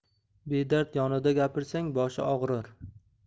bedard yonida gapirsang boshi og'rir